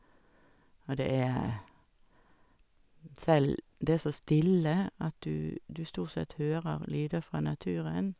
Og det er selv det er så stille at du du stort sett hører lyder fra naturen.